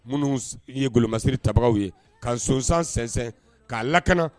Minnu ye golomasiri tabagaw ye ka sonsan sɛnsɛn k'a lakana